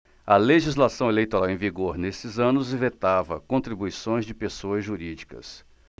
a legislação eleitoral em vigor nesses anos vetava contribuições de pessoas jurídicas